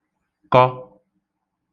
kọ